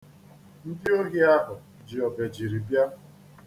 Ndi ohi ahu ji obejiri bia.